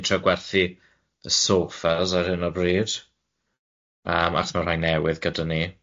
Ni'n trio gwerthu y soffas ar hyn o bryd yym achos ma' rhai newydd gyda ni.